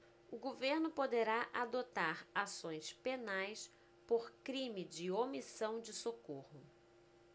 o governo poderá adotar ações penais por crime de omissão de socorro